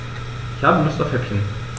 Ich habe Lust auf Häppchen.